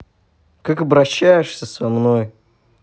как обращаешься со мной